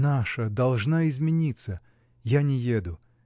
наша должна измениться, я не еду.